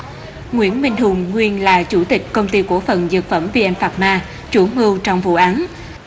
nguyễn minh hùng nguyên là chủ tịch công ty cổ phần dược phẩm vi en phạc ma chủ mưu trong vụ án